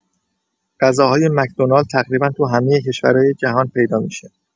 غذاهای مک‌دونالد تقریبا تو همه کشورای جهان پیدا می‌شه.